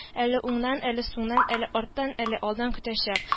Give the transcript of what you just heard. Әле уңнан, әле сулдан, әле арттан, әле алдан көтәчәк